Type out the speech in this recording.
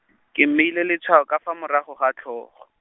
ke mmeile lotshwao ka fa morago ga tlhog-.